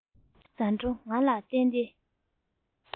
ཟ འཕྲོ ང ལ བསྟན ཏེ